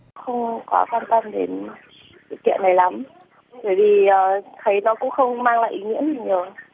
không có quan tâm đến sự kiện này lắm bởi vì thấy nó cũng không mang lại ý nghĩa gì nhiều đâu